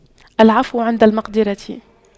العفو عند المقدرة